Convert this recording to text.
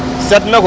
set na waaw